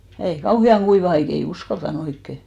ei kauhean kuiva aika ei uskaltanut oikein